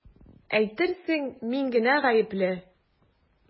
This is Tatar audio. Әйтерсең мин генә гаепле!